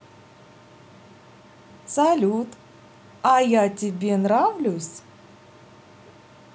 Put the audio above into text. салют а я тебе нравлюсь